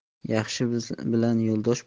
yaxshi bilan yo'ldosh